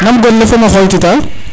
nam gonle fo mam o xoytita